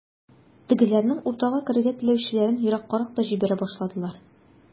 Тегеләрнең уртага керергә теләүчеләрен ераккарак та җибәрә башладылар.